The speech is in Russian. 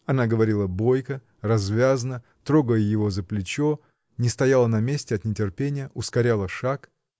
Она говорила бойко, развязно, трогая его за плечо, не стояла на месте от нетерпения, ускоряла шаг.